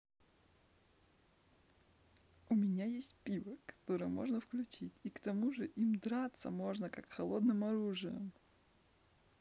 у меня есть пиво которое можно включить и к тому же им драться можно как холодным оружием